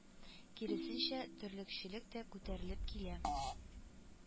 Киресенчә, терлекчелек тә күтәрелеп килә